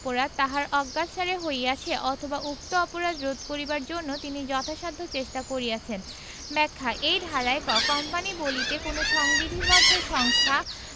অপরাধ তাহার অজ্ঞাতসারে হইয়াছে অথবা উক্ত অপরাধ রোধ করিবার জন্য তিনি যথাসাধ্য চেষ্টা করিয়াছেন ব্যাখ্যাঃ এই ধারায়ঃ ক কোম্পানী বলিতে কোন সংবিধিবদ্ধ সংস্থা